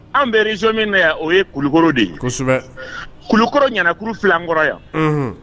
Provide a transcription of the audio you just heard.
An bɛzson min yan o ye kulukɔrɔ de ye kulukɔrɔ ɲkuru fila kɔrɔ yan